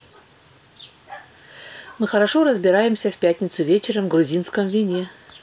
мы хорошо разбираемся в пятницу вечером в грузинском вине